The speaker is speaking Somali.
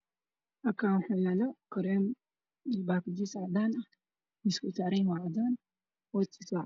Halkaan wax saaran kareen baakadiisa caadaan ah miiska uu saranyahay wa cadaan